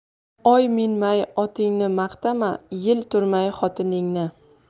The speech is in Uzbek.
oy minmay otingni maqtama yil turmay xotiningni